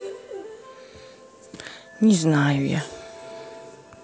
не знаю я